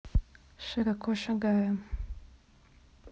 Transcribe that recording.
широко шагая